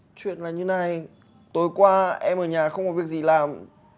chuyện là như này tối qua em ở nhà không có việc gì làm